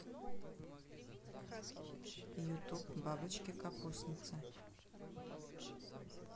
ютуб бабочки капустницы